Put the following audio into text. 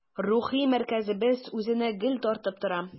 Рухи мәркәзебез үзенә гел тартып тора.